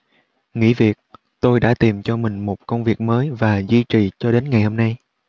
nghỉ việc tôi đã tìm cho mình một công việc mới và duy trì cho đến ngày hôm nay